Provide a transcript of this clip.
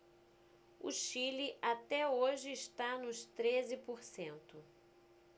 o chile até hoje está nos treze por cento